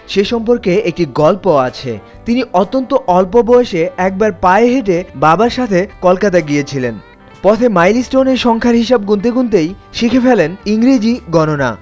সে সম্পর্কে একটি গল্প আছে তিনি অত্যন্ত অল্প বয়সে একবার পায়ে হেঁটে বাবার সাথে কলকাতা গিয়েছিলেন পথে মাইলস্টনে সংখ্যা হিসাব গুনতে গুনতেই শিখে ফেলেন ইংরেজি গণনা